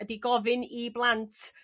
ydi gofyn i blant